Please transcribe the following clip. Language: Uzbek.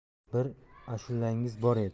bir ashulangiz bor edi